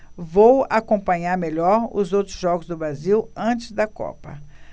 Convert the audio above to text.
vou acompanhar melhor os outros jogos do brasil antes da copa